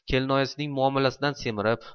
kelinoyisining muomalasidan semirib